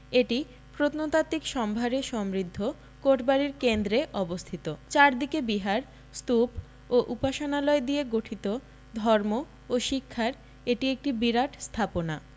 এটি প্রত্নতাত্ত্বিক সম্ভারে সমৃদ্ধ কোটবাড়ির কেন্দ্রে অবস্থিত চারদিকে বিহার স্তূপ ও উপাসনালয় নিয়ে গঠিত ধর্ম ও শিক্ষার এটি একটি বিরাট স্থাপনা